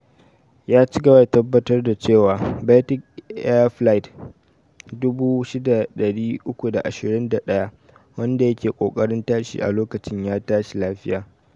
Ya ci gaba da tabbatar da cewa Batik Air Flight 6321, wanda yake kokarin tashi a lokacin, ya tashi lafiya.